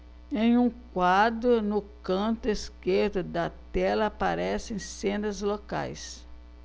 em um quadro no canto esquerdo da tela aparecem cenas locais